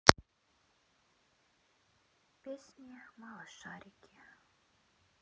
песни малышарики